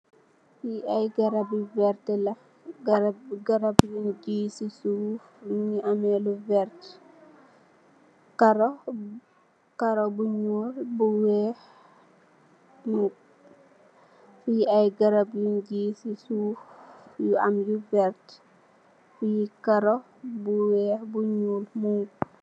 Fii aye garap yuñ gii si suuf, yu am lu vert, fii karo bu weeh, bu nyuul.